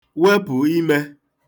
wepụ̀ imē